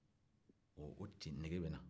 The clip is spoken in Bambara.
o o ten nege bɛ na